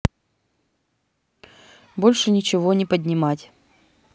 больше ничего не поднимать